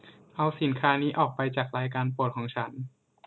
เอาสินค้านี้ออกไปจากรายการโปรดของฉัน